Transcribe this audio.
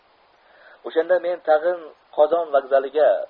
o'shanda men tag'in qozon vokzaliga